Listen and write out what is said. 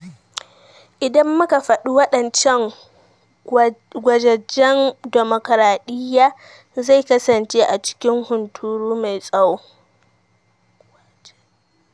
Idan muka fadi wadancan gwajegwajen, dimokuradiyya zai kasance a cikin hunturu mai tsawo.